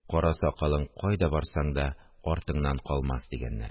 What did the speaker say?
Кара сакалың кайда барсаң да артыңнан калмас, дигәннәр